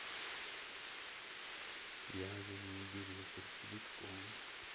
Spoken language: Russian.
вязаные береты крючком